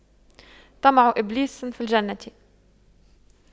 طمع إبليس في الجنة